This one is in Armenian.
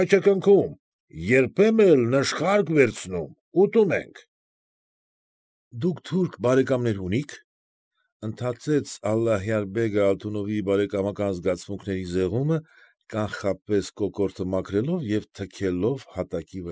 Խաչակնքում, երբեմն էլ նշխարք վերցնում, ուտում ենք։ ֊ Դուք թուրք բարեկամներ ունի՞ք,֊ ընդհատեց Ալլահյար֊բեգը Ալթունովի բարեկամական զգացմունքների զեղումը, կանխապես կոկորդը մաքրելով և թքելով հատակի։